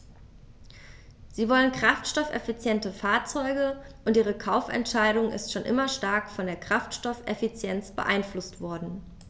Sie wollen kraftstoffeffiziente Fahrzeuge, und ihre Kaufentscheidung ist schon immer stark von der Kraftstoffeffizienz beeinflusst worden.